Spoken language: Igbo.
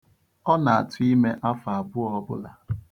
Ọ na-atụ̀ imē afọ abụọ ọbụla.